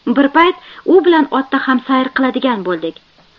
bir payt u bilan otda ham sayr qiladigan bo'ldik